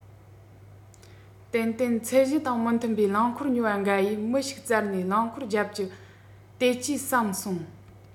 ཏན ཏན ཚད གཞི དང མི མཐུན པའི རླངས འཁོར ཉོ བ འགའ ཡིས མི ཞིག བཙལ ནས རླངས འཁོར རྒྱབ ཀྱི གཏད ཇུས བསམ སོང